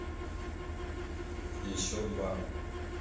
еще два